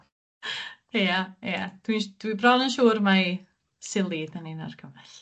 Ia ia dwi'n s- dwi bron yn siŵr mai sili 'dyn ni'n argymell.